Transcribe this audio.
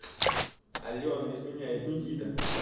алена изменяет никита